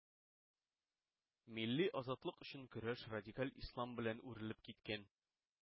Милли азатлык өчен көрәш радикаль ислам белән үрелеп киткән.